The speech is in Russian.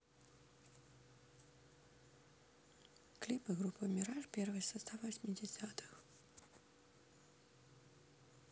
клипы группы мираж первый состав восьмидесятые